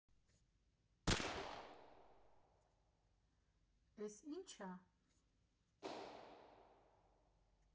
Էս ի՞նչ ա։